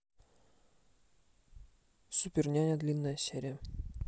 супер няня длинная серия